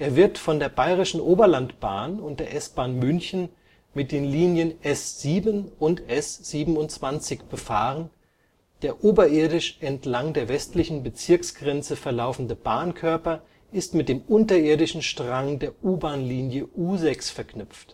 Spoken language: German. wird von der Bayerischen Oberlandbahn und der S-Bahn München mit den Linien S7 und S27 befahren, der oberirdisch entlang der westlichen Bezirksgrenze verlaufende Bahnkörper ist mit dem unterirdischen Strang der U-Bahn-Linie U6 verknüpft